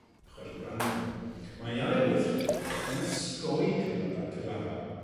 chwedl Branwen. Mae ei ail weithred yn osgoi cyflafa cyflafan.